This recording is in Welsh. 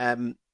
yym